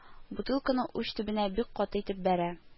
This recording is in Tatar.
Бутылканы уч төбенә бик каты итеп бәрә